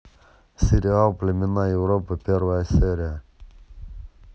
сериал племена европы первая серия